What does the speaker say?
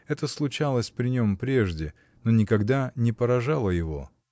это случалось при нем прежде, но никогда не поражало его.